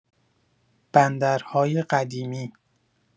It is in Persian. بندرهای قدیمی